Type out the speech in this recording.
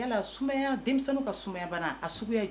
Yala sumayaya denmisɛnninw ka sumayabana a